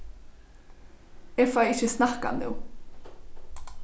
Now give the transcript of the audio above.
eg fái ikki snakkað nú